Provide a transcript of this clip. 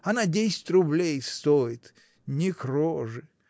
Она десять рублей стоит: не к роже!